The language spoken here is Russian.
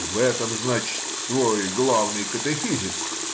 — В этом, значит, твой главный катехизис?